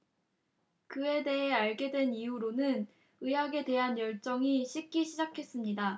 그에 대해 알게 된 이후로는 의학에 대한 열정이 식기 시작했습니다